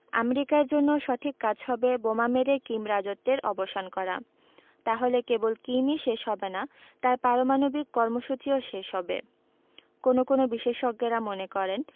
আমেরিকার জন্য সঠিক কাজ হবে বোমা মেরে কিম রাজত্বের অবসান করা তাহলে কেবল কিমই শেষ হবে না তাঁর পারমাণবিক কর্মসূচিও শেষ হবে কোনো কোনো বিশেষজ্ঞেরা মনে করেন